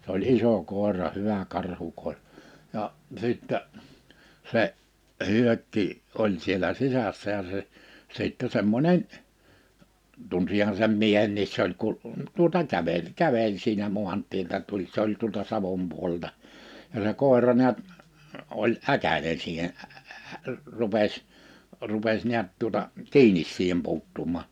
se oli iso koira hyvä karhukoira ja sitten se Hyökki oli siellä sisässä ja se sitten semmoinen tunsinhan sen miehenkin se oli - tuota käveli käveli siinä maantieltä tuli se oli tuolta Savon puolelta ja se koira näet oli äkäinen siihen ---- rupesi rupesi näet tuota kiinni siihen puuttumaan